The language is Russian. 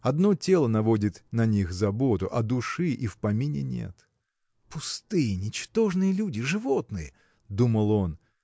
Одно тело наводит на них заботу, а души и в помине нет! Пустые, ничтожные люди, животные! – думал он.